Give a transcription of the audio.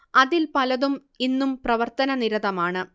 അതിൽ പലതും ഇന്നും പ്രവർത്തനനിരതമാണ്